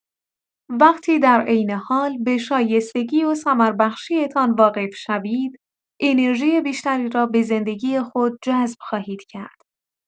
وقتی در عین حال به شایستگی و ثمربخشی‌تان واقف شوید، انرژی بیشتری را به زندگی خود جذب خواهید کرد.